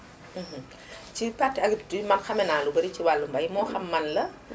ci partie agricultue man xame naa lu bari si wàllum mbay moo xam man la